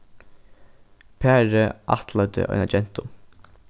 parið ættleiddi eina gentu